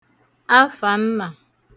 afànnà